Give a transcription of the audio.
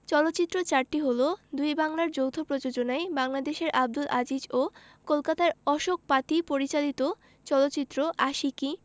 চলচ্চিত্র চারটি হলো দুই বাংলার যৌথ প্রযোজনায় বাংলাদেশের আবদুল আজিজ ও কলকাতার অশোক পাতি পরিচালিত চলচ্চিত্র আশিকী